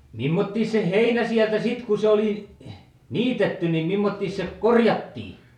mimmoinen se heinä sieltä sitten kun se oli niitetty niin mimmottoos se korjattiin